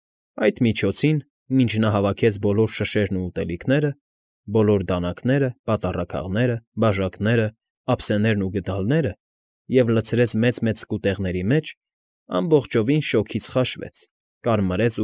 Այդ միջոցին, մինչ նա հավաքեց բոլոր շշերն ու ուտելիքները, բոլոր դանակները, պատառաքաղները, բաժակները, ափսեներն ու գդալները և լցրեց մեծ֊մեծ սկուտեղների մեջ, ամբողջովին շոգից խաշվեց, կարմրեց։